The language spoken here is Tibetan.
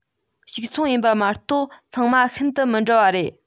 གཅིག མཚུངས ཡིན པ མ གཏོགས ཚང མ ཤིན ཏུ མི འདྲ བ རེད